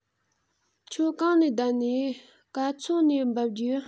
ཁྱོད གང ནས བསྡད ནིས གང ཚོད ནས འབབ རྒྱུ